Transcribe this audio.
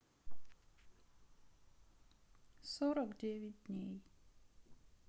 сорок девять дней